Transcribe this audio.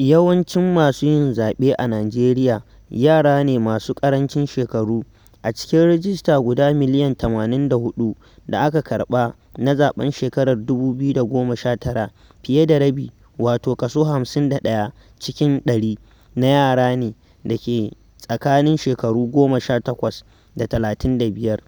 Yawancin masu yin zaɓe a Nijeriya yara ne masu ƙarancin shekaru. A cikin rajista guda miliyan 84 da aka karɓa na zaɓen shekarar 2019, fiye da rabi - wato kaso 51 cikin ɗari - na yara ne da ke tsakanin shekaru 18 da 35,